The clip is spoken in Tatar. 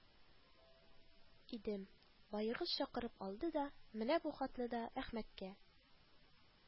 Идем, баегыз чакырып алды да, менә бу хатны да әхмәткә